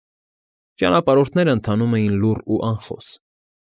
Ճանապարհորդներն ընթանում էին լուռ ու անխոս։